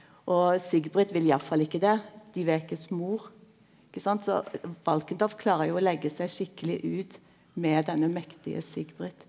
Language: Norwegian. og Sigbrit vil i alle fall ikkje det Dyvekes mor ikkje sant så Valkendorf klarar jo å legge seg skikkeleg ut med denne mektige Sigbrit.